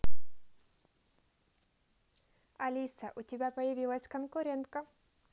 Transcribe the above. алиса у тебя появилась конкурентка